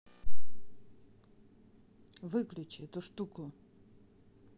выключи эту штуку